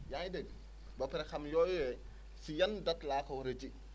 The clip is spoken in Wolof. yaa ngi dégg ba pare xam yooyee si yan dates laa ko war a ji